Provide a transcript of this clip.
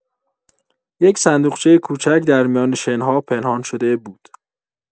یک صندوقچۀ کوچک در میان شن‌ها پنهان شده بود.